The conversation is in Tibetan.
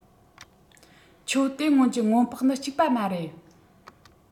ཁྱོད དེ སྔོན གྱི སྔོན དཔག ནི གཅིག པ མ རེད